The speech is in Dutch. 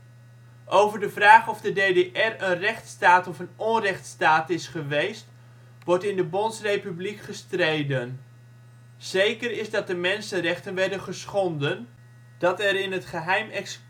Over de vraag of de DDR een rechtsstaat of een " onrechtsstaat " is geweest wordt in de Bondsrepubliek gestreden. Zeker is dat de mensenrechten werden geschonden, dat er in het geheim executies plaatsvonden